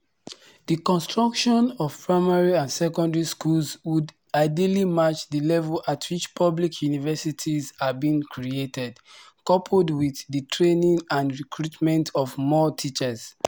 The construction of primary and secondary schools would ideally match the level at which public universities are being created, coupled with the training and recruitment of more teachers.